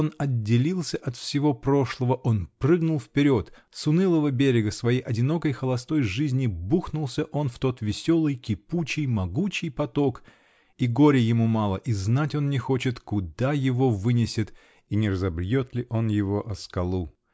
он отделился от всего прошлого, он прыгнул вперед: с унылого берега своей одинокой, холостой жизни бухнулся он в тот веселый, кипучий, могучий поток -- и горя ему мало, и знать он не хочет, куда он его вынесет, и не разобьет ли он его о скалу !